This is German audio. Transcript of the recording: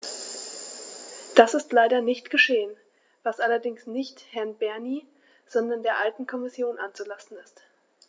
Das ist leider nicht geschehen, was allerdings nicht Herrn Bernie, sondern der alten Kommission anzulasten ist.